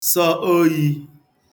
sọ oyī